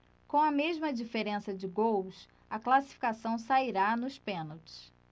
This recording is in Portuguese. com a mesma diferença de gols a classificação sairá nos pênaltis